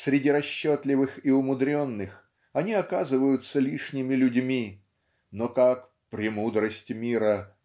среди расчетливых и умудренных они оказываются лишними людьми. Но как "премудрость мира